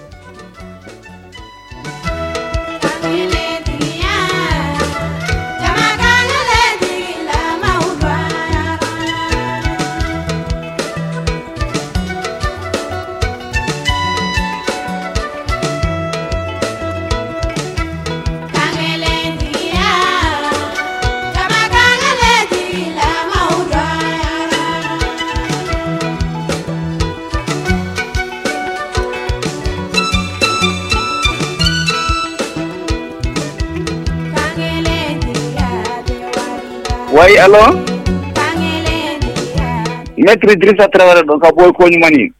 Ka yo kelen wa kelen n bɛ kidi kɛlɛ don ka bɔ ko ɲuman